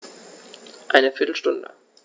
Eine viertel Stunde